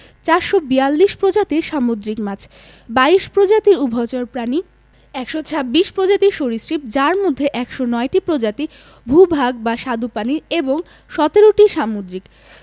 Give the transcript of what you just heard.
৪৪২ প্রজাতির সামুদ্রিক মাছ ২২ প্রজাতির উভচর প্রাণী ১২৬ প্রজাতির সরীসৃপ যার মধ্যে ১০৯টি প্রজাতি ভূ ভাগ বা স্বাদুপানির এবং ১৭টি সামুদ্রিক